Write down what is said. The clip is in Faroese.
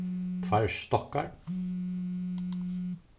tveir stokkar